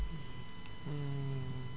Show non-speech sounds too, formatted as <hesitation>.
<hesitation> <hesitation> <hesitation>